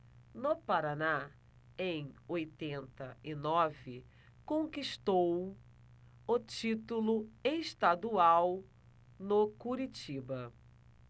no paraná em oitenta e nove conquistou o título estadual no curitiba